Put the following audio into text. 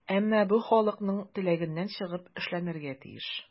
Әмма бу халыкның теләгеннән чыгып эшләнергә тиеш.